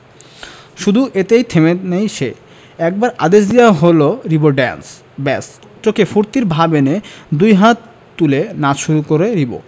শুধু এতেই থেমে নেই সে একবার আদেশ দেওয়া হলো রিবো ড্যান্স ব্যাস চোখে ফূর্তির ভাব এনে দুই হাত তুলে নাচ শুরু করে রিবো